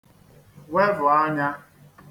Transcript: wevù anyā